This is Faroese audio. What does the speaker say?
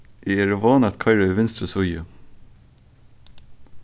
eg eri von at koyra í vinstru síðu